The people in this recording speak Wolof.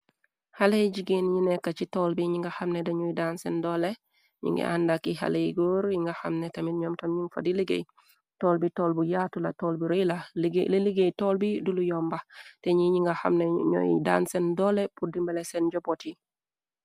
Xaley jigéen ñi nekka ci toll bi nyi nga xamne dañuy daan seen doole ñyugi àndak yi xaley góor yi nga xamne tamit ñoom tam nyun fa di liggéey toll bi toll bu yaatu la toll bo royla li liggéey toll bi dolu yomba te ñi ñi nga xamna ñuoy daan seen doole puddimbale seen jopooti.